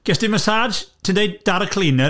Gest ti massage, ti'n dweud, 'da'r cleaner.